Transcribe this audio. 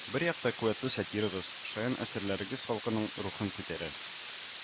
Бер якта куәтле сатирагыз, шаян әсәрләрегез халыкның рухын күтәрә